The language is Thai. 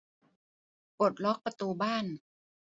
ปลดล็อกประตูบ้าน